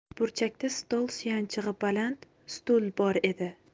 burchakda stol suyanchig'i baland stul bor edi